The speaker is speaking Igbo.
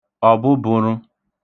ọ̀bụbụ̄ṙụ̄